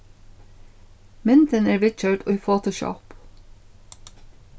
myndin er viðgjørd í photoshop